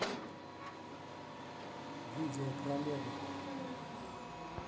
видео про лего